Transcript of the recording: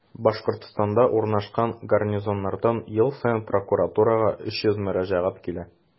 Башкортстанда урнашкан гарнизоннардан ел саен прокуратурага 300 мөрәҗәгать килә.